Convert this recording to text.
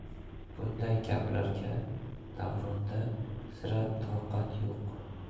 bunday gaplarga davronda sira toqat yo'q